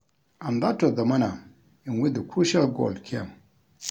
And that was the manner in which the crucial goal came.